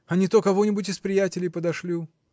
а не то кого-нибудь из приятелей подошлю.